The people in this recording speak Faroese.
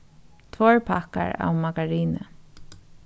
tveir pakkar av margarini